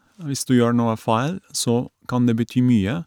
Hvis du gjør noe feil, så kan det bety mye.